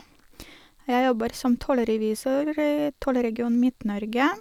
Jeg jobber som tollrevisor i Tollregion Midt-Norge.